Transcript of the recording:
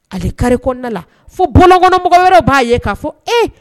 Ale karikda la fo bamɔgɔ wɛrɛ b'a ye k'a fɔ e